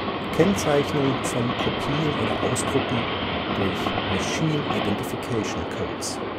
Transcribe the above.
Kennzeichnung von Kopien oder Ausdrucken durch Machine Identification Codes